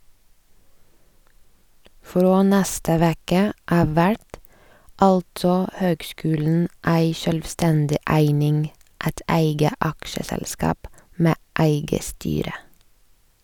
Frå neste veke av vert altså høgskulen ei sjølvstendig eining, eit eige aksjeselskap med eige styre.